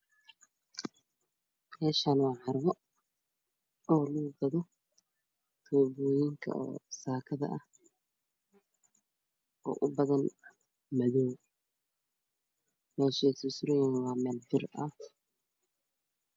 Meeshaan waa carwo oo lagu gado tuubooyinka oo saakada ah oo ubadan madow meeshay sur suranyihiin waa meel bir ah